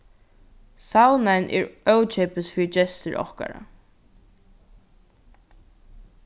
saunan er ókeypis fyri gestir okkara